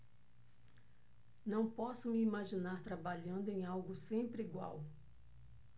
não posso me imaginar trabalhando em algo sempre igual